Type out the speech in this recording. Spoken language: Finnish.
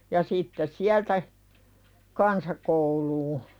ja sitten sieltä kansakouluun